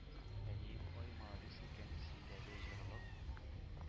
”әниең ай маладис икән, синдәге җорлык,